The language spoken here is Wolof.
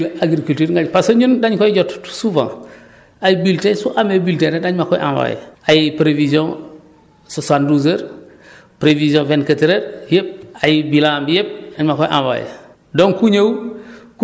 donc information yi mun nga génne agriculture ne parce que ñun dañ koy jot souvent ay bulletins su amee bulletin rek dañ ma koy envoyer ay prévisions soixante douze heures prévision vingt quatre heures yëpp ay bilans bi yëpp dañ ma koy envoyer